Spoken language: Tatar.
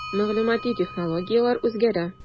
Мәгълүмати технологияләр үзгәрә.